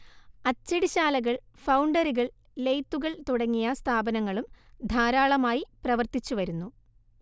അച്ചടിശാലകൾ ഫൗണ്ടറികൾ ലെയ്ത്തുകൾ തുടങ്ങിയ സ്ഥാപനങ്ങളും ധാരാളമായി പ്രവർത്തിച്ചു വരുന്നു